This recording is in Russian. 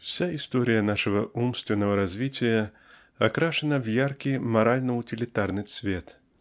Вся история нашего умственного развития окрашена в яркий морально-утилитарный цвет.